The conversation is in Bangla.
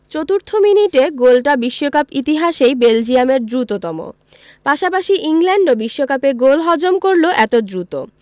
চতুর্থ মিনিটে গোলটা বিশ্বকাপ ইতিহাসেই বেলজিয়ামের দ্রুততম পাশাপাশি ইংল্যান্ডও বিশ্বকাপে গোল হজম করল এত দ্রুত